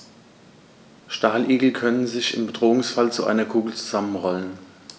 Stacheligel können sich im Bedrohungsfall zu einer Kugel zusammenrollen.